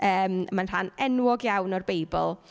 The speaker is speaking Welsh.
Yym, mae'n rhan enwog iawn o'r Beibl.